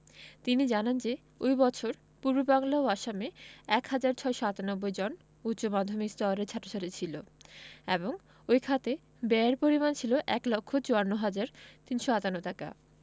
তিনি জানান যে ওই বছর পূর্ববাংলা ও আসামে ১ হাজার ৬৯৮ জন উচ্চ মাধ্যমিক স্তরের ছাত্র ছাত্রী ছিল এবং ওই খাতে ব্যয়ের পরিমাণ ছিল ১ লক্ষ ৫৪ হাজার ৩৫৮ টাকা